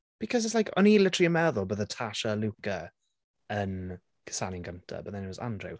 Because it's like o'n i literally yn meddwl bydde Tasha a Luca yn cusanu'n gynta but then it was Andrew.